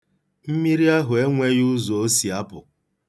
Mmiri ahụ enweghị ụzọ o si apụ.